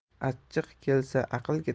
achchiq kelsa aql